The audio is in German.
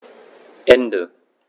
Ende.